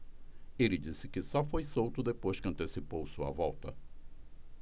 ele disse que só foi solto depois que antecipou sua volta